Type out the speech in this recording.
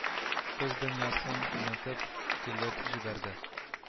- кыз дөньясын онытып көлеп җибәрде